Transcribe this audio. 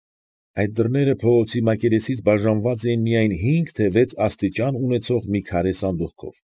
Այդ դռները փողոցի մակերեսից բաժանված էին միայն հինգ, թե վեց աստիճան ունեցող մի քարե սանդղքով։